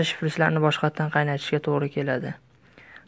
shprislarni boshqatdan qaynatishga to'g'ri keladi